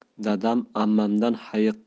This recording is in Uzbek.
dadam ammamdan hayiqqani